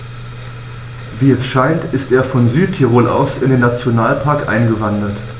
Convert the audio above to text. Wie es scheint, ist er von Südtirol aus in den Nationalpark eingewandert.